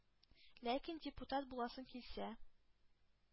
Ләкин депутат буласың килсә,